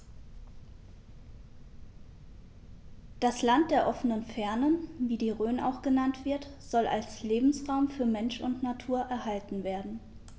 Das „Land der offenen Fernen“, wie die Rhön auch genannt wird, soll als Lebensraum für Mensch und Natur erhalten werden.